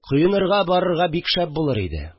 Коенырга барырга бик шәп булыр иде